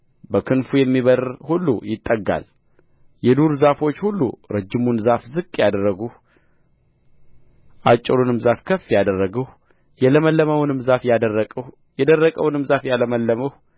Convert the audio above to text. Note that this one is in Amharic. በክንፍ የሚበርር ሁሉ ይጠጋል የዱር ዛፎች ሁሉ ረጅሙን ዛፍ ዝቅ ያደረግሁ አጭሩንም ዛፍ ከፍ ያደረግሁ የለመለመውንም ዛፍ ያደረቅሁ የደረቀውንም ዛፍ ያለመለምሁ